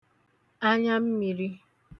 anyammīrī